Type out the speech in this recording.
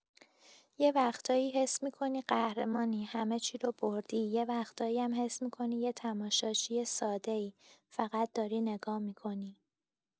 یه وقتایی حس می‌کنی قهرمانی، همه چی رو بردی، یه وقتایی هم حس می‌کنی یه تماشاچی ساده‌ای، فقط داری نگاه می‌کنی.